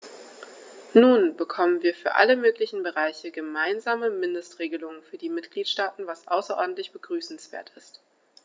Nun bekommen wir für alle möglichen Bereiche gemeinsame Mindestregelungen für die Mitgliedstaaten, was außerordentlich begrüßenswert ist.